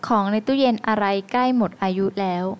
ของในตู้เย็นอะไรใกล้หมดอายุแล้ว